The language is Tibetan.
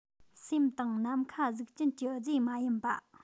སེམས དང ནམ མཁའ གཟུགས ཅན གྱི རྫས མ ཡིན པ